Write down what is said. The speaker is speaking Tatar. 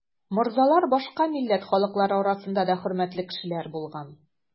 Морзалар башка милләт халыклары арасында да хөрмәтле кешеләр булган.